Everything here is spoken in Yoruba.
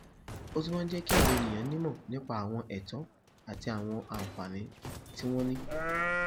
Ó tún máa ń jẹ́ kí àwọn ènìyàn nímọ̀ nípa àwọn ẹ̀tọ̀ àti àwọn àǹfààní tí wọ́n ní.